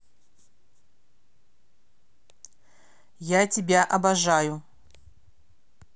я тебя обожаю